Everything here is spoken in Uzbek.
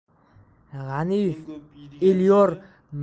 g'aniyev elyor